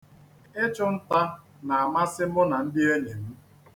Ịchụ nta na-amasị mụ na ndị enyi m.